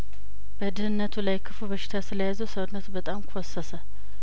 በድህነቱ ላይ ይህ ክፉ በሽታ ስለያዘው ሰውነቱ በጣም ኰሰሰ